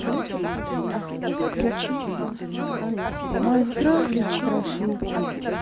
майнкрафт страшилки